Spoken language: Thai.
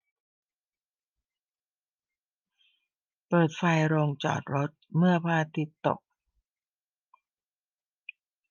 เปิดไฟโรงจอดรถเมื่อพระอาทิตย์ตก